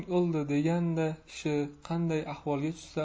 deganda kishi qanday ahvolga tushsa